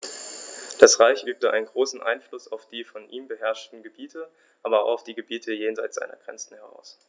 Das Reich übte einen großen Einfluss auf die von ihm beherrschten Gebiete, aber auch auf die Gebiete jenseits seiner Grenzen aus.